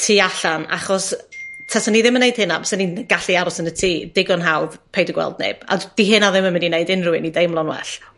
tu allan, achos tasen i ddim yn neud hynna bysan i'n gallu aros yn y tŷ digon hawdd, paid â gweld neb, a 'di hynna ddim yn mynd i neud unryw un i deimlo'n well